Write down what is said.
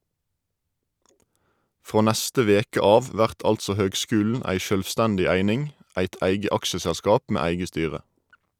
Frå neste veke av vert altså høgskulen ei sjølvstendig eining, eit eige aksjeselskap med eige styre.